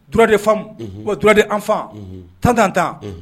Tura de famu tura de anfa tantanan tan